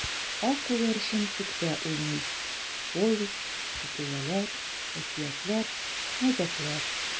Ак күгәрчен күктә уйный: повесть, хикәяләр, әкиятләр, мәзәкләр.